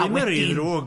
Am yr uddrwg!